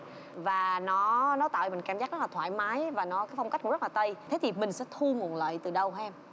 và nó nó tạo cho mình cảm giác rất là thoải mái và nó cái phong cách nó rất là tây thế thì mình sẽ thu nguồn lợi từ đâu hả em